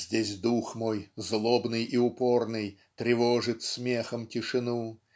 Здесь дух мой злобный и упорный Тревожит смехом тишину